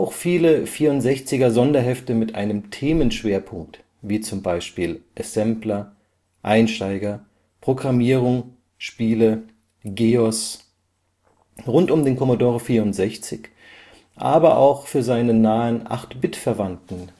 viele 64er-Sonderhefte mit einem Themenschwerpunkt (wie Assembler, Einsteiger, Programmierung, Spiele, GEOS) rund um den Commodore 64, aber auch für seine nahen 8-Bit-Verwandten